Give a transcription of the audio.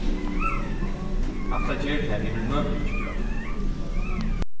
hatta ger tað yvirhøvur ikki greitt